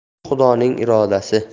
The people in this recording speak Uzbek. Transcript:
bu xudoning irodasi